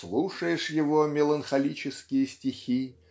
Слушаешь его меланхолические стихи